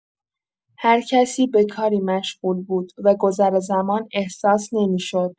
هرکسی به کاری مشغول بود و گذر زمان احساس نمی‌شد.